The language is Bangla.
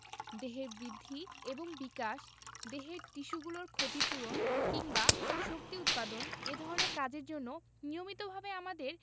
দেহের বৃদ্ধি এবং বিকাশ দেহের টিস্যুগুলোর ক্ষতি পূরণ কিংবা শক্তি উৎপাদন এ ধরনের কাজের জন্য নিয়মিতভাবে আমাদের